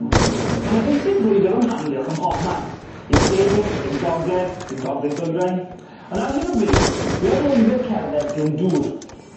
Ma' 'ny feisydd brwydyr o'm hamgylch ym mhobman i'r de, i'r gogledd, i'r gogledd-ddwyrain on' ar hyn o bryd, dwi ar lwybyr cerdded Glyndŵr.